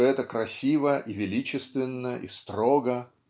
что это красиво и величественно и строго